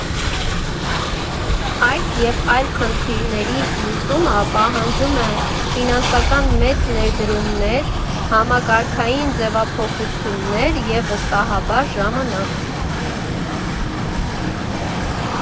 Այս և այլ խնդիրների լուծումը պահանջում է ֆինանսական մեծ ներդրումներ, համակարգային ձևափոխություններ և, վստահաբար, ժամանակ։